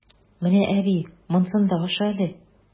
Менә, әби, монсын да аша әле!